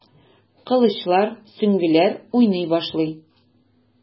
Кылычлар, сөңгеләр уйный башлый.